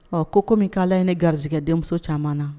Ɔ ko comme k'Ala ye ne garisigɛ denmuso caaman na